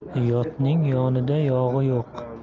yotning yonida yog'i yo'q